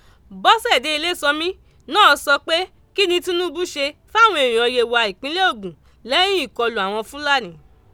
Bọ́sẹ̀dé Ilésanmí náà sọ pé kí ni Tínubú ṣe fáwọn èèyàn Yewa ìpínlẹ̀ Ògùn lẹ́yìn ìkọlù àwọn Fúlàní.